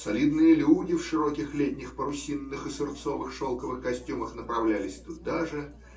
солидные люди в широких летних парусинных и сырцовых шелковых костюмах направлялись туда же.